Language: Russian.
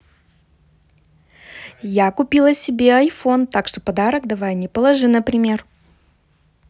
я купила себе айфон так что подарок давай не положи например